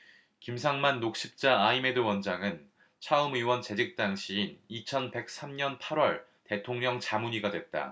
김상만 녹십자아이메드 원장은 차움의원 재직 당시인 이천 백 삼 년 팔 월 대통령 자문의가 됐다